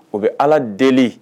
O bɛ ala deli